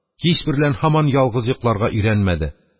Кич берлән һаман ялгыз йокларга өйрәнмәде.